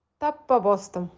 tappa bosdim